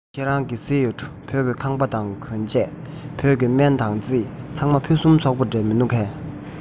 ཁྱེད རང གིས གཟིགས ཡོད འགྲོ བོད ཀྱི ཁང པ དང གྱོན ཆས བོད ཀྱི སྨན དང རྩིས ཚང མ ཕུན སུམ ཚོགས པོ འདྲས མི འདུག གས